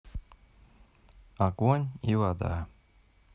огонь и вода